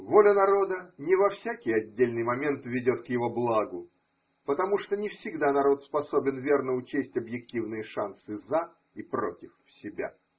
Воля народа не во всякий отдельный момент ведет к его благу, потому что не всегда народ способен верно учесть объективные шансы за и против себя.